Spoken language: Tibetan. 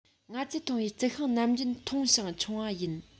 ང ཚོས མཐོང བའི རྩི ཤིང ནམ རྒྱུན ཐུང ཞིང ཆུང བ ཡིན